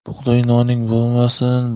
bug'doy noning bo'lmasin